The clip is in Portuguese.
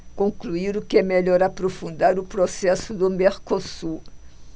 concluíram que é melhor aprofundar o processo do mercosul